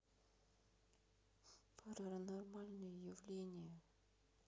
паранормальные явления